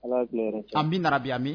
Ala ka tile hɛrɛ caya amina ya rabi